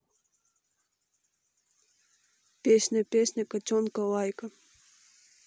песня песня котенка лайка